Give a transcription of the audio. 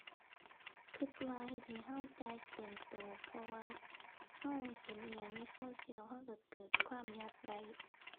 คิดว่าเฮ็ดให้คิดจ่ายเกินคิด เพราะว่าคิดเห็นอิหยังในโซเชียล คิดคิดเกิดความอยากได้